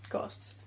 Ghosts.